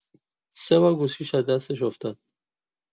سه بار گوشیش از دستش افتاد!